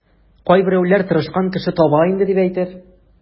Кайберәүләр тырышкан кеше таба инде, дип әйтер.